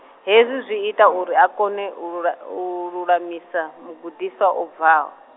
hezwi zwi ita uri a kone u lu-, u lulamisa, mugudiswa o bvaho.